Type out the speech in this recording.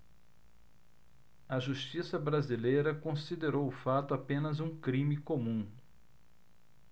a justiça brasileira considerou o fato apenas um crime comum